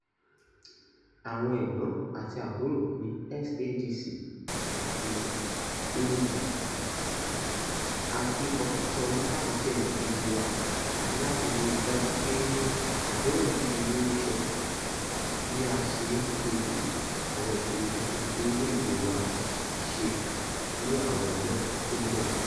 Àwọn Ẹ̀gbọ́n àti àbúrò ní SADC àti AU, a fi ọkàn tán yín láti jẹ́ ẹni kejì wa àti láti ríi dájú pé àdéhùn yìí di mímú ṣẹ bí a ṣe ń kojú àwọn ìṣòro títún orílẹ̀ èdè wa ṣe ní àwọn ọjọ́ tí ó ń bọ̀.